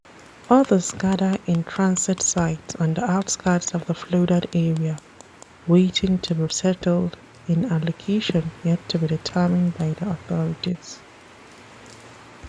Others gather in transit sites on the outskirts of the flooded area, waiting to be resettled in a location yet to be determined by the authorities.